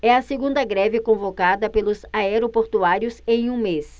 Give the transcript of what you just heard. é a segunda greve convocada pelos aeroportuários em um mês